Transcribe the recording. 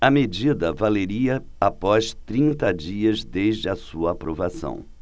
a medida valeria após trinta dias desde a sua aprovação